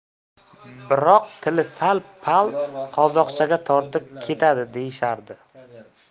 biroq tili sal pal qozoqchaga tortib ketadi deyishardi